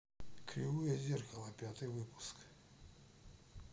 кривое зеркало пятый выпуск